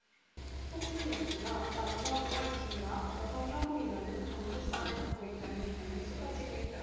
폭스뉴스가 남성우월주의와 여성혐오이라는 정체성을 갖고 있다는 비난이 쏟아지고 있다